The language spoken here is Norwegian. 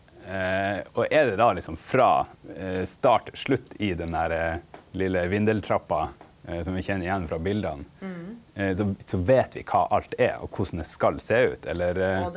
og er det då liksom frå start til slutt i den her litle vindeltrappa som vi kjenner igjen frå bileta så så veit vi kva alt er og korleis det skal sjå ut eller?